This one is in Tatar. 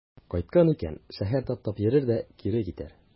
Кайткан икән, шәһәр таптап йөрер дә кире китәр.